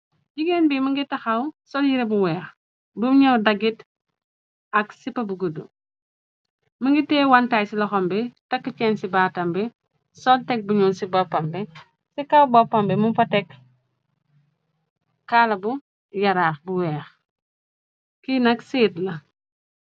Jigéen bi mi ngi taxaw, sol yire bu weex buñ ñëw daggit ak sipa bu guddu, më ngi tiye wantaay ci loxom bi, takk cenn ci baatambi, sol teg bu ñuul ci boppambi, ci kaw boppambi mung fa tekk, kaala bu yaraax bu weex, ki nak seet la.